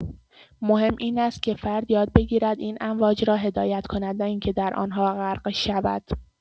مهم این است که فرد یاد بگیرد این امواج را هدایت کند نه اینکه در آن‌ها غرق شود.